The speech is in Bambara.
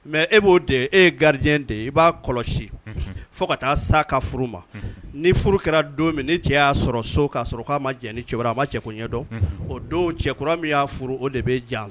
Mais e b'o de ye e ye gardien de ye i b'a kɔlɔsi fo ka taa s'a ka furu ma ni furu kɛra don min ni cɛ y'a sɔrɔ so k'a sɔrɔ k'a ma jɛn ni cɛ ye a man cɛko ɲɛ dɔn o don cɛ kura min y'a furu o de bɛ